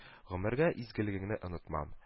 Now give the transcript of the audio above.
Гомергә изгелегеңне онытмам